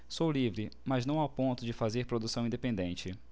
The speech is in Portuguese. sou livre mas não a ponto de fazer produção independente